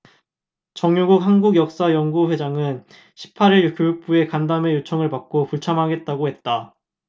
정용욱 한국역사연구회장은 십 팔 일 교육부 측의 간담회 요청을 받고 불참하겠다고 했다